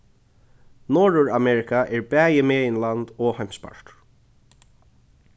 norðuramerika er bæði meginland og heimspartur